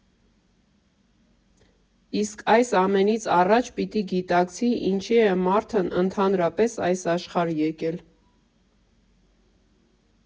Իսկ այս ամենից առաջ պիտի գիտակցի՝ ինչի է մարդն, ընդհանրապես, այս աշխարհ եկել։